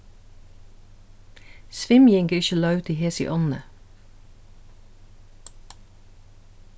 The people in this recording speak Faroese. svimjing er ikki loyvd í hesi ánni